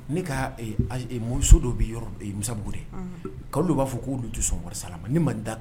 Ne ka mo dɔ bɛ musa kaloolu b'a fɔ ko'olu tɛ sɔnɔri sa ma man da